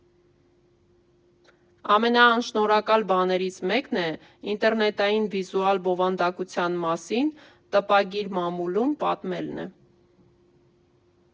Ամենաանշնորհակալ բաներից մեկն ինտերնետային վիզուալ բովանդակության մասին տպագիր մամուլում պատմելն է։